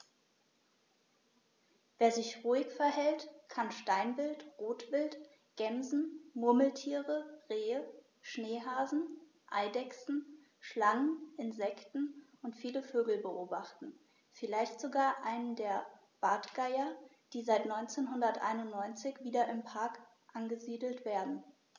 Wer sich ruhig verhält, kann Steinwild, Rotwild, Gämsen, Murmeltiere, Rehe, Schneehasen, Eidechsen, Schlangen, Insekten und viele Vögel beobachten, vielleicht sogar einen der Bartgeier, die seit 1991 wieder im Park angesiedelt werden.